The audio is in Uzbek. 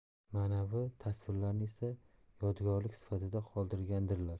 manavi tasvirlarni esa yodgorlik sifatida qoldirgandirlar